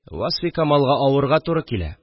Васфикамалга авырга туры килә